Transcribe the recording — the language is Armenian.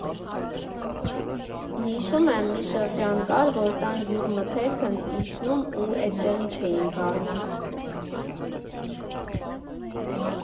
Հիշում եմ՝ մի շրջան կար, որ տան գյուղմթերքն իջնում ու էդտեղից էինք առնում։